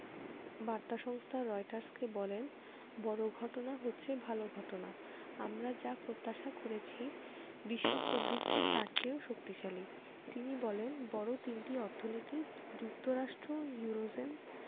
বার্তা সংস্থা রয়টার্সকে বলেন বড় ঘটনা হচ্ছে ভালো ঘটনা আমরা যা প্রত্যাশা করেছি বিশ্ব প্রবৃদ্ধি তার চেয়েও শক্তিশালী তিনি বলেন বড় তিনটি অর্থনীতি যুক্তরাষ্ট্র ইউরোজোন